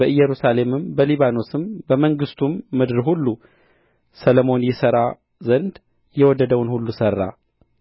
በኢየሩሳሌምም በሊባኖስም በመንግሥቱም ምድር ሁሉ ሰሎሞን ይሠራ ዘንድ የወደደውን ሁሉ ሠራ